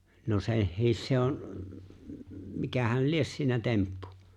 no sekin se on - mikähän lie siinä temppu